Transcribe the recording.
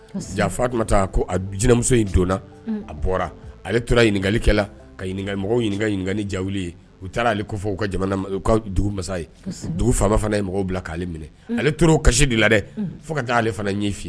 Fa tun taa ko a jinɛmuso in donna a bɔra ale tora ɲininkalikɛla ka ɲininka jawu ye u taara ale ko fɔ ka dugu masa ye dugu faama fana ye mɔgɔw bila k'ale minɛ ale tora o kasisi de la dɛ fo ka taa ale fana fɔi ye